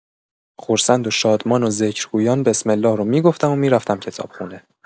خرسند و شادمان و ذکرگویان، بسم‌الله رو می‌گفتم و می‌رفتم کتابخونه.